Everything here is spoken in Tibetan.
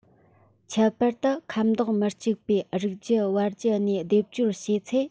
ཁྱད པར དུ ཁ དོག མི གཅིག པའི རིགས རྒྱུད བར རྒྱུད གཉིས སྡེབ སྦྱོར བྱས ཚེ